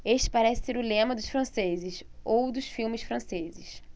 este parece ser o lema dos franceses ou dos filmes franceses